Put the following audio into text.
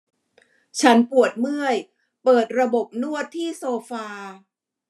ฉันปวดเมื่อยเปิดระบบนวดที่โซฟา